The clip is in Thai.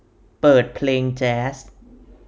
เปิดเพลงแจ๊ส